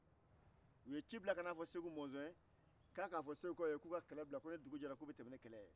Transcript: u ye ci bila ka n'a fɔ segu mɔzɔn ye k'a ka kɛlɛ bila ko ni dugu jɛra k'u na tɛmɛ ni kɛlɛ